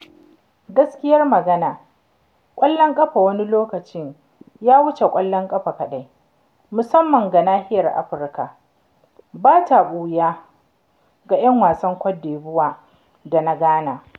Gaskiyar magana ƙwallon ƙafa wani lokaci “ya wuce ƙwallon ƙafa kaɗai” musamman ga Nahiyar Afirka, ba ta ɓuya ga ‘yan wasan Côte d’Ivoire da na Ghana.